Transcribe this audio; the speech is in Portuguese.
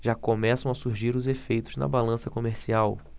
já começam a surgir os efeitos na balança comercial